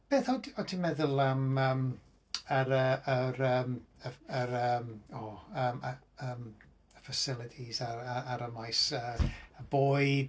Beth o't o't ti'n meddwl am yym yr yy yr yym yr yym o yym yym facilities ar ar y maes? Y bwyd?